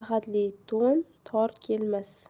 maslahatli to'n tor kelmas